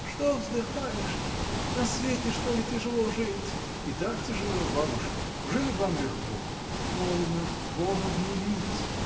— Что вздыхаешь-то: на свете, что ли, тяжело жить? — И так тяжело, бабушка. Ужели вам легко? — Полно Бога гневить!